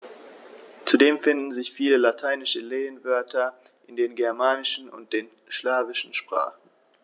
Zudem finden sich viele lateinische Lehnwörter in den germanischen und den slawischen Sprachen.